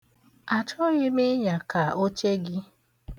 Achọghị ịnyaka oche gị.